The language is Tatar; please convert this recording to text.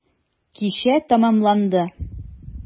Кичә тәмамланды.